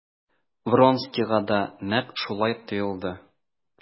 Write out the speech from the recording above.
Вронскийга да нәкъ шулай тоелды.